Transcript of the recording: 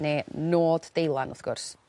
ne' nod deilan wrth gwrs.